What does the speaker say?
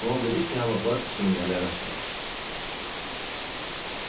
hon vil ikki hava børn síni at læra svenskt